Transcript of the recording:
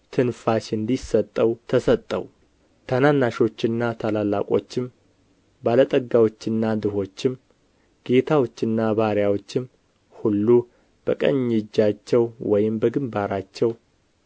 ትንፋሽ እንዲሰጠው ተሰጠው ታናናሾችና ታላላቆችም ባለ ጠጋዎችና ድሆችም ጌታዎችና ባሪያዎችም ሁሉ በቀኝ እጃቸው ወይም በግምባራቸው